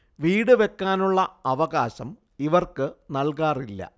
വീട് വെക്കാനുളള അവകാശം ഇവർക്കു നൽകാറില്ല